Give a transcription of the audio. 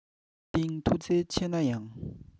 མཁའ ལྡིང མཐུ རྩལ ཆེ ན ཡང